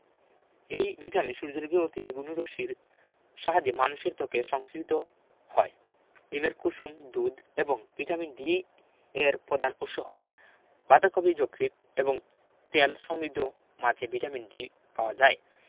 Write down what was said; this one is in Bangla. এই ভিটামিন সূর্যালোকের অতিবেগুনি রশ্মির সাহায্যে মানুষের ত্বকে সংশ্লেষিত হয় ডিমের কুসুম দুধ এবং মাখন ভিটামিন D এর প্রধান উৎস বাঁধাকপি যকৃৎ এবং তেল সমৃদ্ধ মাছে ভিটামিন D পাওয়া যায়